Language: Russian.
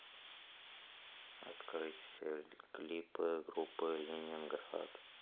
смотреть все клипы группы ленинград